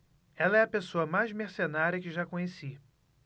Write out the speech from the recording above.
ela é a pessoa mais mercenária que já conheci